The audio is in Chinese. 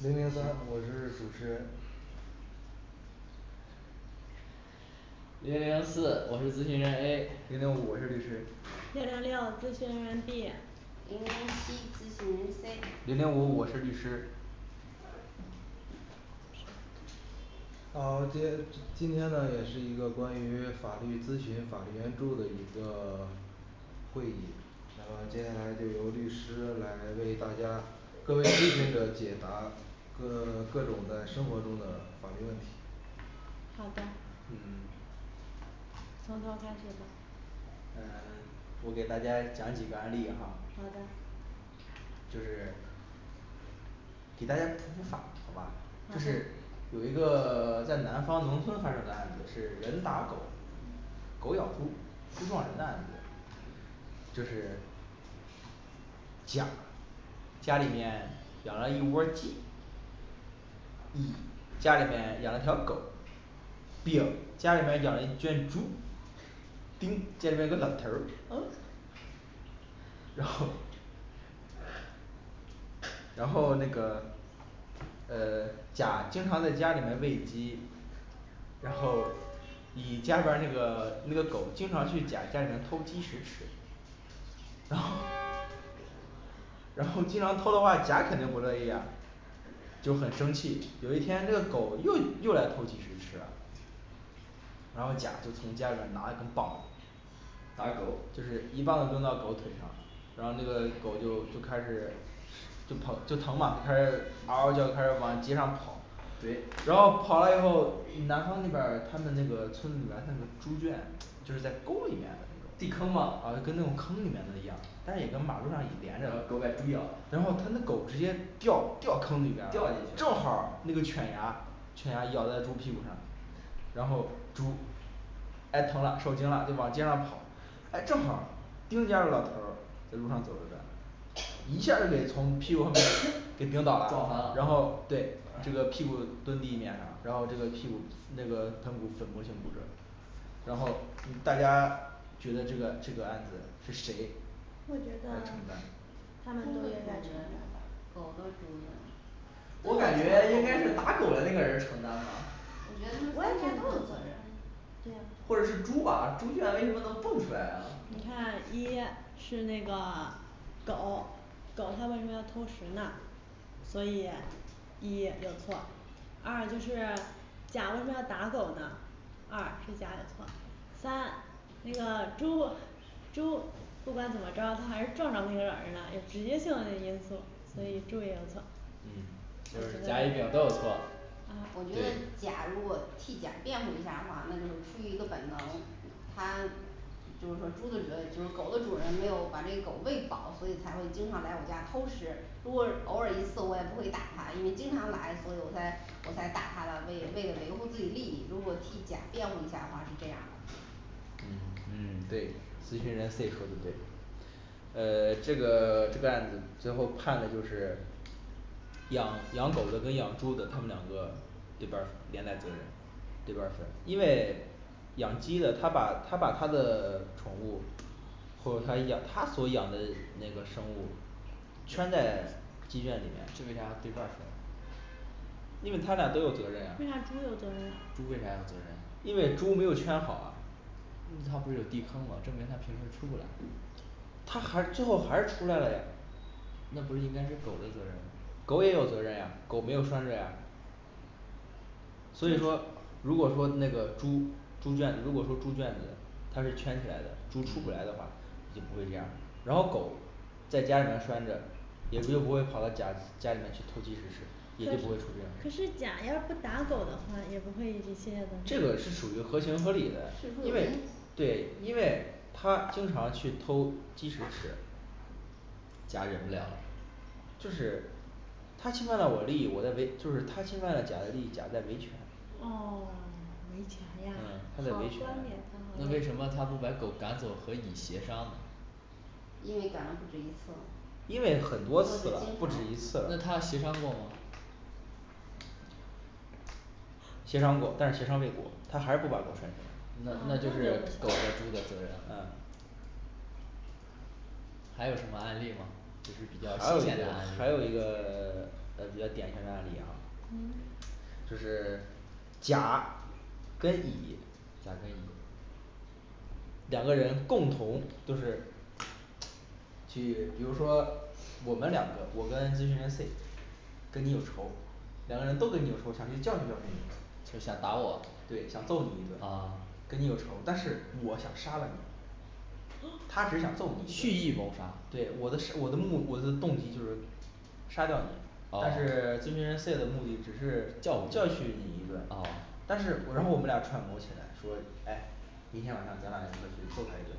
零零三我是主持人零零四我是咨询人A 零零五我是律师零零六咨询人B 零零七咨询人C 零零五我是律师行好我们今天今天呢也是一个关于法律咨询法律援助的一个， 会议，那么接下来就由律师来为大家各位咨询者解答各各种在生活中的法律问题。好的，嗯，从头开始吧。嗯 我给大家讲几个案例啊，好的就是给大家普普法好吧？好就的是有一个 在南方农村发生的案子是人打狗，狗咬猪，猪撞人的案子，就是甲家里面养了一窝儿鸡乙家里面养了条狗，丙，家里面养一圈猪丁，家里面有个老头儿哦然后 然后那个啊 甲经常在家里面喂鸡，然后乙家里边儿那个 那个狗经常去甲家里面偷鸡食吃，然后 然后经常偷的话甲肯定不乐意呀，就很生气，有一天这个狗又又来偷鸡食吃了然后甲就从家里面拿一根棒子，打狗，就是一棒子扔到狗腿上，然后那个狗就就开始就疼就疼嘛就开始嗷嗷叫就开始往街上跑。追然后跑了以后，南方那边儿他们那个村里面儿像是猪圈就是在沟里面地坑吧，噢跟坑里面的一样，但是也跟马路上连啊着搁外猪一样，，然后他那狗直接掉掉坑里面了掉进，去正了，好儿那个犬牙犬牙咬在猪屁股上，然后猪唉疼了受惊了就往街上跑。 唉正好儿丁家的老头儿在路上走着的，一下儿就给从屁股后面给顶倒倒了了，然，后对这个屁股蹲地面上，然后这个屁股那个盆骨粉末性骨折。然后大家觉得这个这个案子是谁我觉来承得担？他分们承别担主人吧，狗的主人，我感觉应该是打狗的那个人承担吧，我觉得他们我也感三家，觉都有责任。对呀或者是猪吧，猪圈为什么能蹦出来呢你看一是那个狗狗它为什么要偷食呢？所以一就错。二，就是甲为什么要打狗呢？二是甲有错，三那个猪是猪不管怎么着，它还是撞到那个老人了，有直接性的因素，所以猪也有嗯错，嗯就是甲乙丙都有错。啊我觉得甲如果替甲辩护一下的话，那就是出于一个本能，他就是说猪的主人就是狗的主人没有把这狗喂饱，所以才会经常来我家偷食，如果偶尔一次我也不会打它，因为经常来，所以我才我才打它的，为为了维护自己利益，如果替甲辩护一下的话是这样的。嗯嗯对咨询人C说的对呃 这个 这个案子最后判的就是养养狗的跟养猪的他们两个这边儿连带责任。这边儿谁因为养鸡的他把他把他的宠物或者他养他所养的那个生物圈在鸡圈里这面，为啥要对半儿分？因为他俩都有责任呀为啥猪有责任啊猪为啥有责任呀因为猪没有圈好啊嗯它不是有地坑嘛，证明他平时出不来，它还最后还是出来了呀。那不是应该是狗的责任吗？狗也有责任呀，狗没有拴着呀。所以说如果说那个猪猪圈，如果说猪圈子它是圈起来的，猪出不来的话就不会这样儿，然后狗在家里面拴着，也不就不会跑到甲家里面去偷鸡食吃，也就不可会出这可是样甲要不打狗的话也不会一系列的,这个是属于合情合理事的，出因有为因对，因为它经常去偷鸡食吃，甲忍不了就是它侵犯了我利益，我在维就是它侵犯了甲的利益，甲在维权，哦 维权嗯呀，哦他在维权冠那为冕什堂么皇的他不把狗赶走和乙协商因为赶了不止一次了因为很多次了不就止一经常次了那他协商过吗？协商过，但是协商未果他还是不把狗拴起来。那哦那那就就是狗和猪的责任了嗯还有什么案例吗？就是比较还有经一典的个案例，还有一个 呃比较典型的案例哈，嗯就是甲跟乙甲跟乙两个人共同都是去比如说我们两个我跟咨询人c跟你有仇，两个人都跟你有仇，想去教训教训你就想打我对想揍你一顿呃，跟 你有仇，但是我想杀了你，嗯他只想揍你蓄意谋杀对我的什我的目我的动机就是杀掉你哦但是咨询人C的目的只是教教育训你一顿，哦但是我然后我们俩串谋起来说，诶明天晚上咱俩一块儿去揍他一顿，